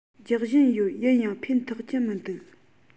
རྒྱག བཞིན ཡོད ཡིན ཡང ཕན ཐོགས ཀྱི མི འདུག